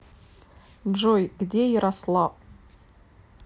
джой где ярослав